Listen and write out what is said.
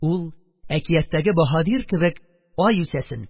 Ул, әкияттәге баһадир кебек, ай үсәсен